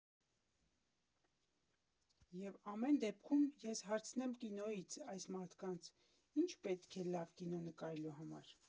ԵՒ ամեն դեպքում, ես հարցնեմ կինոյից այս մարդկանց՝ ի՞նչ է պետք լավ կինո նկարելու համար։